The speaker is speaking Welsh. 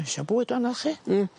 Ma' isio bwyd anoch chi. Mm.